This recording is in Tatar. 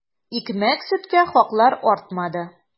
Икмәк-сөткә хаклар артмады.